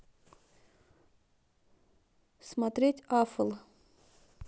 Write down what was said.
смотреть афл